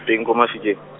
teng ko Mafikeng.